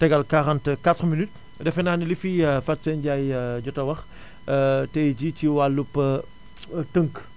tegal 44mn defe naa ne li fi Fatou Seye Ndiaye jot a wax tey jii ci wàllub tënk